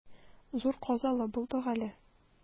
Зур казалы булдык әле.